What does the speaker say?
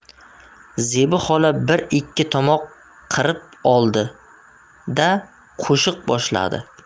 zebi xola bir ikki tomoq qirib oldi da qo'shiq boshladi